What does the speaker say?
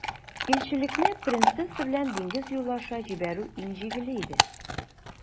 Илчелекне принцесса белән диңгез юлы аша җибәрү иң җиңеле иде.